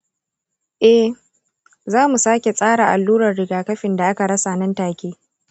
eh, za mu sake tsara allurar rigakafin da aka rasa nan take.